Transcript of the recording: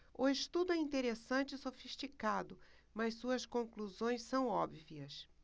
o estudo é interessante e sofisticado mas suas conclusões são óbvias